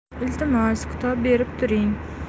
iltimos kitob berib turing